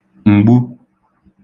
m̀gbu